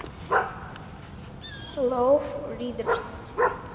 low riders